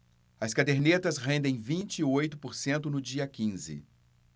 as cadernetas rendem vinte e oito por cento no dia quinze